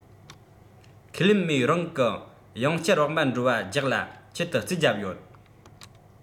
ཁས ལེན མོའི རང གི ཡང བསྐྱར བག མར འགྲོ བ རྒྱག ལ ཆེད དུ རྩིས བརྒྱབ ཡོད